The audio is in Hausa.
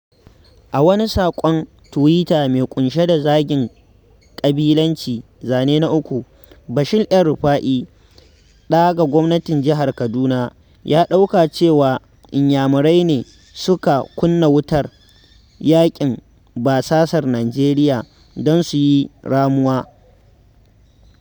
A wani saƙon tuwita mai ƙunshe da zagin ƙabilanci (Zane na 3), Bashir El-Rufai, ɗa ga gwamnan jihar Kaduna ya ɗauka cewa Inyamirai ne su ka kunna wutar yaƙin basasar Nijeriya don su yi ramuwa.